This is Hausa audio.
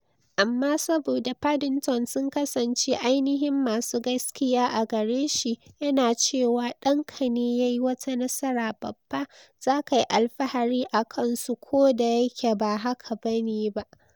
"Amma saboda Paddington sun kasance ainihin masu gaskiya a gare shi, yana cewa danka ne yayi wata nasara babba: zaka yi alfahari akan su ko da yake ba haka bane ba.